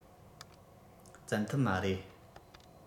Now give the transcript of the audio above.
བཙན ཐབས མ རེད